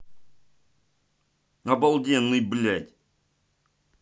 обалденый блядь